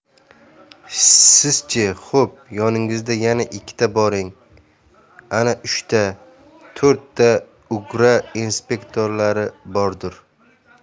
siz chi xo'p yoningizda yana ikkita boring ana uch to'rtta ugro inspektorlari bordir